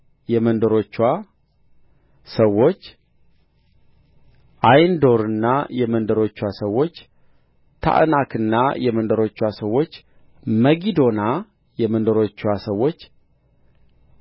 የመንደሮችዋ ሰዎች ዓይንዶርና የመንደሮችዋ ሰዎች ታዕናክና የመንደሮችዋ ሰዎች መጊዶና የመንደሮችዋ ሰዎች